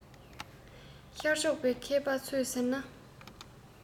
ཤར ཕྱོགས པའི མཁས པ ཚོས ཟེར ན